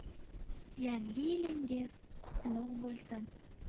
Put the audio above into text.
yangi yilingiz qutlug bo'lsin